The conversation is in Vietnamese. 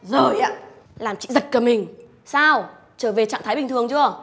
giời ạ làm chị giật cả mình sao trở về trạng thái bình thường chưa